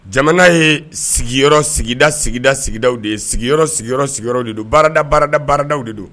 Jamana ye sigiyɔrɔ sigida sigida sigidaw de ye sigiyɔrɔ sigiyɔrɔ sigin de don baarada baarada baaradaw de don